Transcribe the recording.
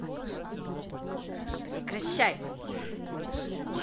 прекращай